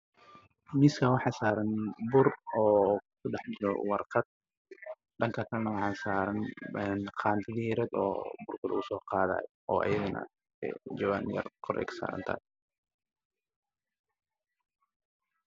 Meeshaan waa miis xasaran warqad ay ku jirto shuklaato isku ah oo midabkiisu yahay guduud